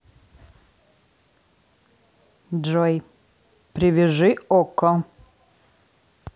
джой привяжи okko